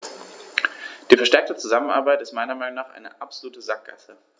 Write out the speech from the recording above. Die verstärkte Zusammenarbeit ist meiner Meinung nach eine absolute Sackgasse.